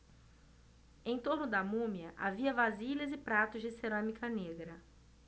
em torno da múmia havia vasilhas e pratos de cerâmica negra